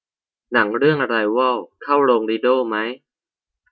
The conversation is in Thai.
หนังเรื่องอะไรวอลเข้าโรงลิโด้มั้ย